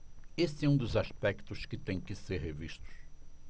esse é um dos aspectos que têm que ser revistos